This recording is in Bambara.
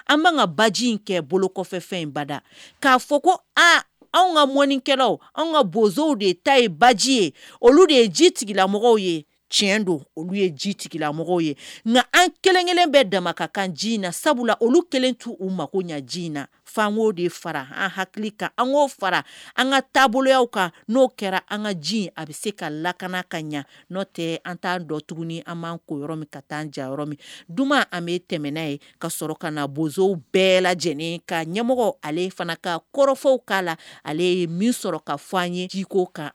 An b'an ka baji in kɛ bolo kɔfɛfɛn in bada k'a fɔ ko aa anw ka mɔnikɛlaw anw ka bozow de ta ye baji ye olu de ye ji tigilamɔgɔ ye tiɲɛ don olu ye ji tigilamɔgɔ ye nka an kelen kelen bɛ dama ka kan ji in na sabula olu kelen to u mago ɲɛ ji in na fanko de fara an hakili kan ano fara an ka taaboloya kan n'o kɛra an ka ji in a bɛ se ka lakana ka ɲɛ n'o tɛ an taaan dɔ tuguni an'an ko yɔrɔ min ka taa ja min duman an bɛ tɛmɛnɛna ye ka sɔrɔ ka na bozo bɛɛ lajɛlen ka ɲɛmɔgɔ ale fana ka kɔrɔfɔfɔw k'a la ale ye min sɔrɔ ka fɔ an ye jiko kan